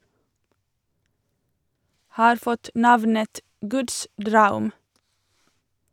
Har fått navnet "Guds draum".